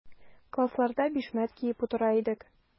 Классларда бишмәт киеп утыра идек.